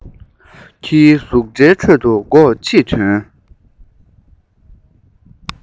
ཁྱིའི ཟུག སྒྲའི ཁྲོད དུ སྒོ ཕྱིར ཐོན